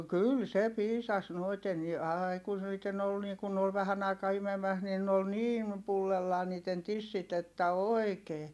kyllä se piisasi noiden niin aina kun niiden oli niin kun ne oli vähän aikaa imemässä niin ne oli niin pullollaan niiden tissit että oikein